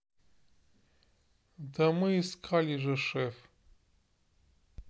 да мы искали же шеф